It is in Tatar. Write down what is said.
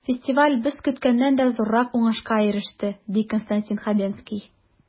Фестиваль без көткәннән дә зуррак уңышка иреште, ди Константин Хабенский.